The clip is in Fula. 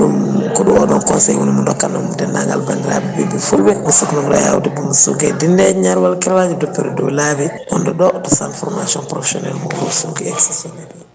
ɗum ko ɗum woni oɗo conseil mo dokkanmi dendagal bandiraɓe ɓiɓɓe fulɓe so sokhna Houraye Aw debbo mo Sogui dindeje ñawgal puhalaji docteur dow laabi gonɗo ɗo to centre de formation professionnel mo Wourossogui *